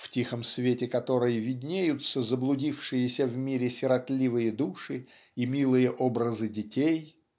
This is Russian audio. в тихом свете которой виднеются заблудившиеся в мире сиротливые души и милые образы детей